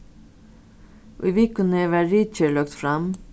í vikuni var ritgerð løgd fram